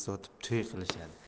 sotib to'y qilishadi